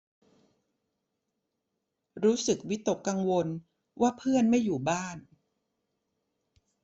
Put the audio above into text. รู้สึกวิตกกังวลว่าเพื่อนไม่อยู่บ้าน